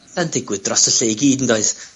...yn digwydd dros y lle i gyd yndoes?